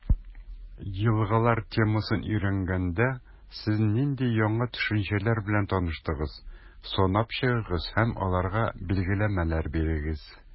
«елгалар» темасын өйрәнгәндә, сез нинди яңа төшенчәләр белән таныштыгыз, санап чыгыгыз һәм аларга билгеләмәләр бирегез.